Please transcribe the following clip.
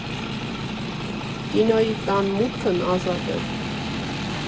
Կինոյի տան մուտքն ազատ է։